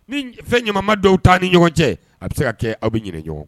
Ni fɛn ɲama dɔw taa ni ɲɔgɔn cɛ a bɛ se ka kɛ aw bɛ ɲini ɲɔgɔn